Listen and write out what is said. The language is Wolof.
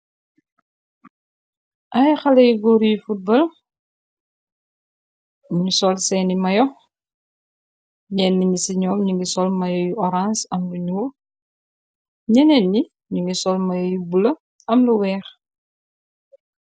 ay xaley góor yu fotbal ñu sol seeni mayo ñenn ñi ci ñoom ñi ngi sol mayo yu orange am lu ñuur ñeneet ni ñu ngi sol mayo yu bula am lu weex